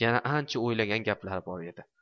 yana ancha o'ylagan gaplari bor edi